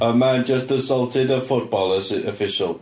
A man just assulted a football as- official.